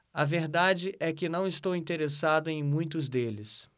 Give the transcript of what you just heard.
a verdade é que não estou interessado em muitos deles